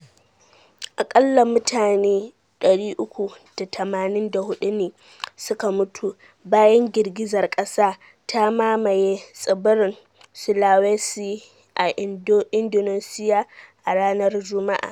Akalla mutane 384 ne suka mutu bayan girgizar kasa ta mamaye tsibirin Sulawesi a Indonesia a ranar Juma’a.